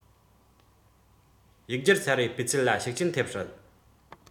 ཡིག སྒྱུར ཚར བའི སྤུས ཚད ལ ཤུགས རྐྱེན ཐེབས སྲིད